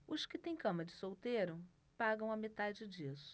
os que têm cama de solteiro pagam a metade disso